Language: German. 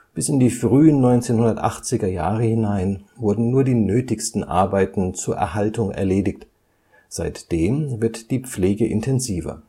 Bis in die frühen 1980er Jahre hinein wurden nur die nötigsten Arbeiten zur Erhaltung erledigt, seitdem wird die Pflege intensiver